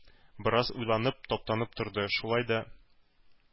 Бераз уйланып, таптанып торды, шулай да